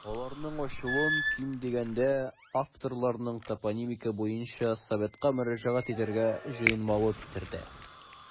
Аларның ачуын, ким дигәндә, авторларның топонимика буенча советка мөрәҗәгать итәргә җыенмавы китерде.